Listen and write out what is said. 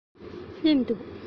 སླེབས འདུག